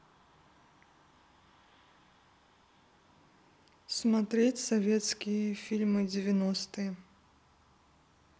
смотреть советские фильмы девяностые